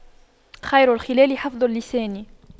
خير الخلال حفظ اللسان